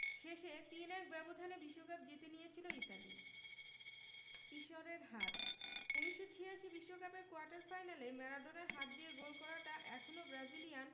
শেষে ৩ ১ ব্যবধানে বিশ্বকাপ জিতে নিয়েছিল ইতালি ঈশ্বরের হাত ১৯৮৬ বিশ্বকাপের কোয়ার্টার ফাইনালে ম্যারাডোনার হাত দিয়ে গোল করাটা এখনো ব্রাজিলিয়ান